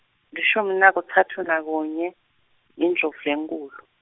lishumi nakutsatfu nakunye Indlovulenkhulu.